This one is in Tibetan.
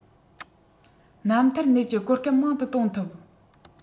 རྣམ ཐར ནད ཀྱི གོ སྐབས མང དུ གཏོང ཐུབ